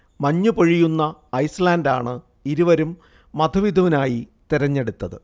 മഞ്ഞ് പൊഴിയുന്ന ഐസ്ലാന്റാണ് ഇരുവരും മധുവിധുവിനായി തെരഞ്ഞൈടുത്തത്